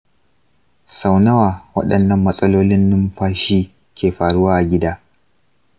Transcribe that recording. sau nawa waɗannan matsalolin numfashi ke faruwa a gida?